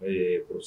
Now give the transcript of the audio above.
Ee